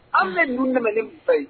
Anw bɛ dun nalen fa ye